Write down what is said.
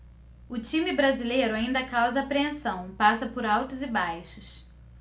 o time brasileiro ainda causa apreensão passa por altos e baixos